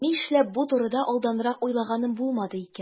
Нишләп бу турыда алданрак уйлаганым булмады икән?